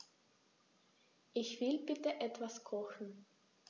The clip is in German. Ich will bitte etwas kochen.